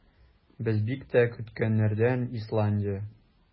Без бик тә көткәннәрдән - Исландия.